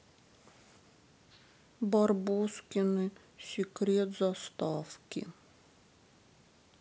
барбоскины секрет заставки